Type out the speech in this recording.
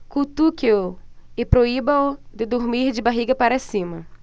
cutuque-o e proíba-o de dormir de barriga para cima